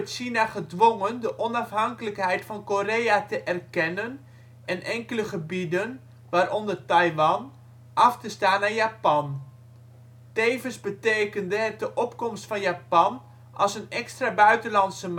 China gedwongen de onafhankelijkheid van Korea te erkennen en enkele gebieden (waaronder Taiwan) af te staan aan Japan. Tevens betekende het de opkomst van Japan als een extra buitenlandse